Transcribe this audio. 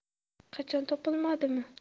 qachon topilmadimi